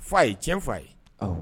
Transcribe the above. Fa a ye tiɲɛ fa ye